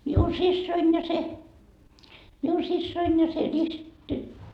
minun siskoni ja se minun siskoni ja se -